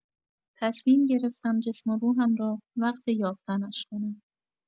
تصمیم گرفتم چسم و روحم را وقف یافتن‌اش کنم.